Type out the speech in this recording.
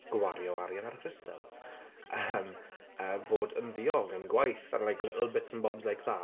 Gwario arian ar y crystals. Yym a Bod yn ddiog yn gwaith." and like little bits and bobs like that.